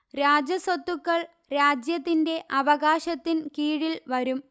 രാജസ്വത്തുക്കൾ രാജ്യത്തിന്റെ അവകാശത്തിൻ കീഴിൽ വരും